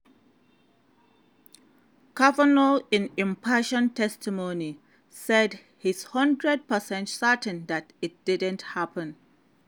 Kavanaugh, in impassioned testimony, said he's 100 percent certain that it didn't happen.